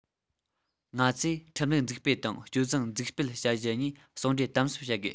ང ཚོས ཁྲིམས ལུགས འཛུགས སྤེལ དང སྤྱོད བཟང འཛུགས སྤེལ བྱ རྒྱུ གཉིས ཟུང འབྲེལ དམ ཟབ བྱ དགོས